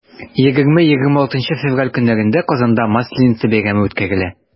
20-26 февраль көннәрендә казанда масленица бәйрәме үткәрелә.